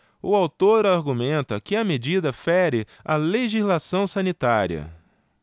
o autor argumenta que a medida fere a legislação sanitária